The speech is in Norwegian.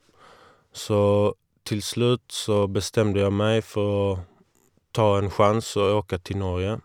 Så til slutt så bestemte jeg meg for å ta en sjanse og åke til Norge.